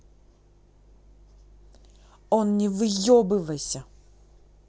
он не выебывайся